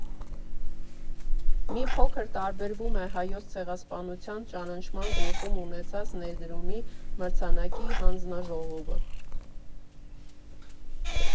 Մի փոքր տարբերվում է Հայոց ցեղասպանության ճանաչման գործում ունեցած ներդրումի մրցանակի հանձնաժողովը.